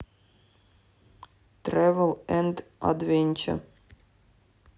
тревел энд адвенча